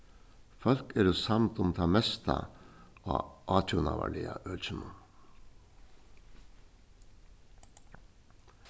fólk eru samd um tað mesta á átrúnaðarliga økinum